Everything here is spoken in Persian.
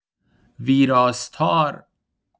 ویراستار